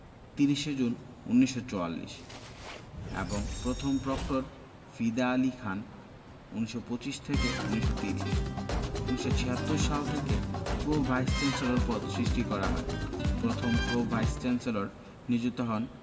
৩০ জুন ১৯৪৪ এবং প্রথম প্রক্টর ফিদা আলী খান ১৯২৫ থেকে ১৯৩০ ১৯৭৬ সাল থেকে প্রো ভাইস চ্যান্সেলর পদ সৃষ্টি করা হয় প্রথম প্রো ভাইস চ্যান্সেলর নিযুক্ত হন